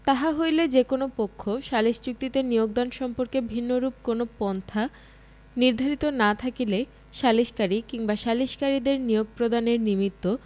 তাহা হইলে যে কোন পক্ষ সালিস চুক্তিতে নিয়োগদান সম্পর্কে ভিন্নরূপ কোন পন্থা নির্ধারিত না থাকিলে সালিসকারী কিংবা সালিসকারীদের নিয়োগ প্রদানের নিমিত্ত